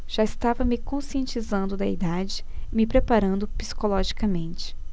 já estava me conscientizando da idade e me preparando psicologicamente